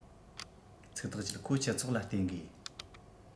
ཚིག ཐག བཅད ཁོ སྤྱི ཚོགས ལ བརྟེན དགོས